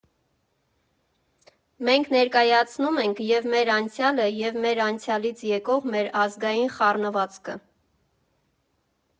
«Մենք ներկայացնում ենք և՛ մեր անցյալը, և՛ այդ անցյալից եկող մեր ազգային խառնվածքը։